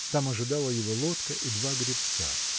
Там ожидала его лодка и два гребца.